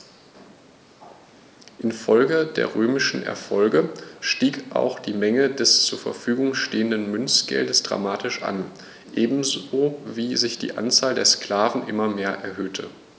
Infolge der römischen Erfolge stieg auch die Menge des zur Verfügung stehenden Münzgeldes dramatisch an, ebenso wie sich die Anzahl der Sklaven immer mehr erhöhte.